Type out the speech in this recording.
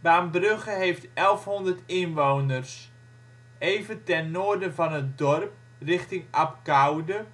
Baambrugge heeft 1100 inwoners (2007). Even ten noorden van het dorp, richting Abcoude